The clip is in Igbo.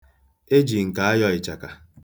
E ji nka ayọ ịchaka.